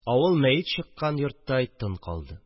Авыл мәет чыккан йорттай тын калды